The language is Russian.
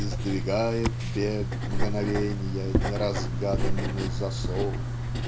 "и сдвигает бег мгновенья неразгаданный засов".